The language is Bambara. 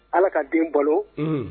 Ala ka den bolo